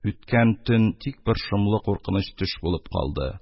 Үткән төн тик бер шомлы куркыныч төш булып калды.